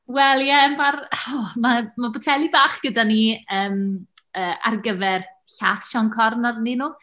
Wel ie, mae'r... o, mae'r poteli bach gyda ni yym yy ar gyfer llaeth Sion Corn arnyn nhw.